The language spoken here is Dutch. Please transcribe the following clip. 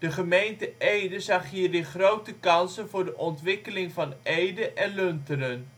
gemeente Ede zag hierin grote kansen voor de ontwikkeling van Ede en Lunteren